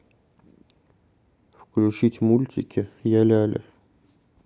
включить мультики я ляля